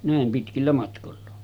näin pitkillä matkoilla